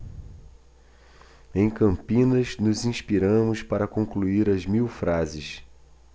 em campinas nos inspiramos para concluir as mil frases